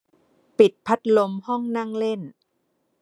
ปิดพัดลมห้องนั่งเล่น